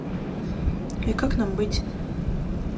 и как нам быть